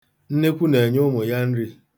Nnekwu na-enye ụmụ ya nri.